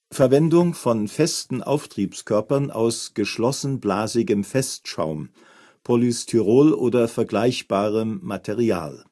Verwendung von festen Auftriebskörpern aus geschlossenblasigem Festschaum, Polystyrol oder vergleichbarem Material